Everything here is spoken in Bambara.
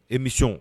E misɔn